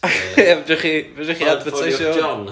ia fedrwch chi fedrwch chi adfyrtaisio hwn?